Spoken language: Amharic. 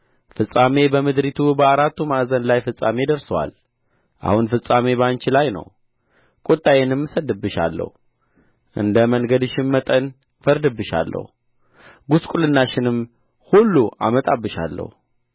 ፍጻሜ በምድሪቱ በአራቱ ማዕዘን ላይ ፍጻሜ ደርሶአል አሁን ፍጻሜ በአንቺ ላይ ነው ቍጣዬንም እሰድድብሻለሁ እንደ መንገድሽም መጠን እፈርድብሻለሁ ጕስቍልናሽንም ሁሉ አመጣብሻለሁ